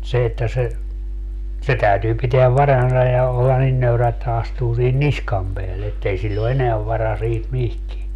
mutta se että se se täytyy pitää varansa ja olla niin nöyrä että astuu siihen niskan päälle että ei sillä ole enää varaa siitä mihinkään